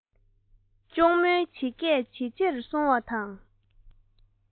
གཅུང མོའི ངུ སྐད ཇེ ཆེར སོང བ དང